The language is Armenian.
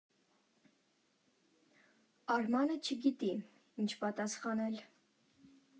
Արմանը չգիտի՝ ինչ պատասխանել։